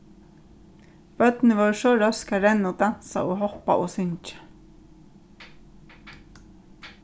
børnini vóru so røsk at renna og dansa og hoppa og syngja